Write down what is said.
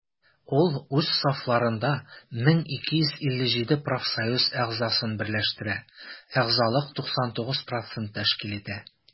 Ул үз сафларында 1257 профсоюз әгъзасын берләштерә, әгъзалык 99 % тәшкил итә.